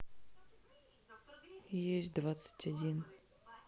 есть двадцать один